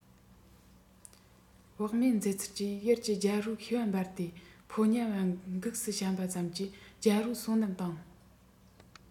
བག མེད མཛད ཚུལ གྱིས ཡུལ གྱི རྒྱལ པོ ཤེས པ འབར ཏེ ཕོ ཉ བ འགུགས སུ བཤམས པ ཙམ གྱིས རྒྱལ པོའི བསོད ནམས དང